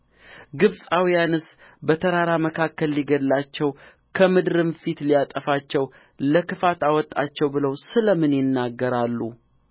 ግብፃውያንስ በተራራ መካከል ሊገድላቸው ከምድርም ፊት ሊያጠፋቸው ለክፋት አወጣቸው ብለው ስለ ምን ይናገራሉ